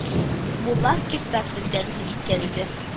Мулла спектаклен тәкъдим иткән иде